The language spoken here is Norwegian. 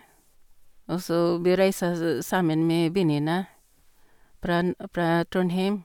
Og så vi reiser sammen med vennene fra n fra Trondheim.